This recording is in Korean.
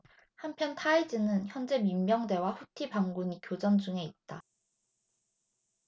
한편 타이즈는 현재 민병대와 후티 반군이 교전 중에 있다